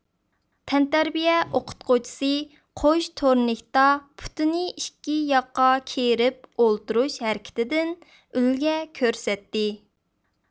تەنتەربىيە ئوقۇتقۇچىسى قوش تورنىكتا پۇتىنى ئىككى ياققا كېرىپ ئولتۇرۇش ھەرىكىتىدىن ئۈلگە كۆرسەتتى